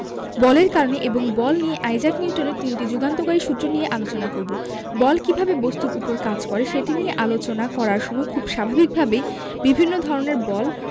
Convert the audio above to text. বলের কারণে এবং বল নিয়ে আইজাক নিউটনের তিনটি যুগান্তকারী সূত্র নিয়ে আলোচনা করব বল কীভাবে বস্তুর উপর কাজ করে সেটি নিয়ে আলোচনা করার সময় খুব স্বাভাবিকভাবেই বিভিন্ন ধরনের বল